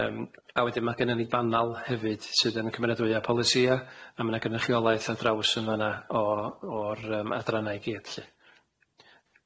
Yym. A wedyn ma' gynnon ni banal hefyd sydd yn cymeradwya' polisia' a ma' na gynnychiolaeth ar draws yn fan'a o o'r yym adrannau i gyd lly.